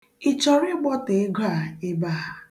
Ị chọrọ ịgbọtọ ego a ebe a?